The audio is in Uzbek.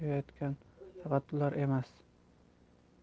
o'chayotgan faqat ular emas